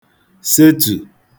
setù